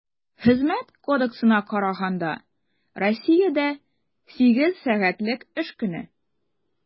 Хезмәт кодексына караганда, Россиядә сигез сәгатьлек эш көне.